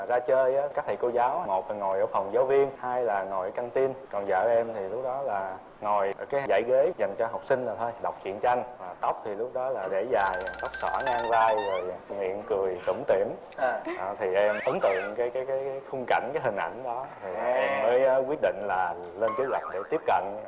ra chơi các thầy cô giáo một là ngồi ở phòng giáo viên hai là ngồi ở căng tin còn vợ em thì lúc đó là ngồi ở cái dãy ghế dành cho học sinh mà thôi đọc truyện tranh và tóc thì lúc đó là để dài tóc xõa ngang vai rồi miệng cười tủm tỉm thì em ấn tượng cái cái cái khung cảnh cái hình ảnh đó mới quyết định là lên kế hoạch để tiếp cận